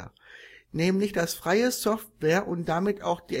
nämlich, dass Freie Software — und damit auch seine Entwickler